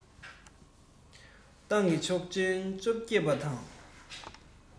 ཏང གི ཚོགས ཆེན བཅོ བརྒྱད པ དང